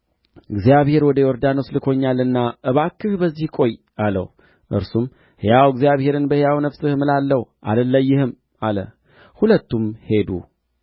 በኢያሪኮም የነበሩ የነቢያት ልጆች ወደ ኤልሳዕ ቀርበው እግዚአብሔር ጌታህን ከራስህ ላይ ዛሬ እንዲወስደው አውቀሃልን አሉት እርሱም አዎን አውቄአለሁ ዝም በሉ ብሎ መለሰ ኤልያስም